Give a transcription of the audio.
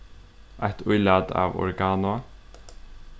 eitt ílat av oregano